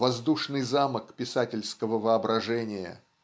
воздушный замок писательского воображения.